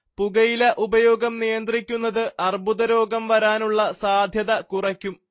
പുകയില ഉപയോഗം നിയന്ത്രിക്കുന്നത് അർബുദരോഗം വരാനുള്ള സാധ്യത കുറയ്ക്കും